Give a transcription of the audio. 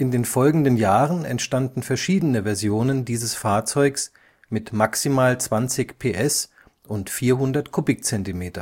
den folgenden Jahren entstanden verschiedene Versionen dieses Fahrzeugs mit maximal 20 PS und 400 cm³